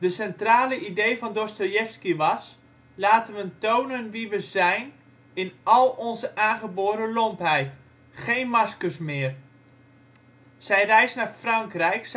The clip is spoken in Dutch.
centrale idee van Dostojevski was: " Laten we tonen wie we zijn in al onze aangeboren lompheid. Geen maskers meer! " Zijn reis naar Frankrijk